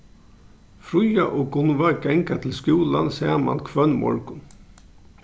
fríða og gunnvá ganga til skúlan saman hvønn morgun